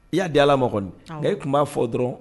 I y'a di ala ma kɔni nka e tun b'a fɔ dɔrɔn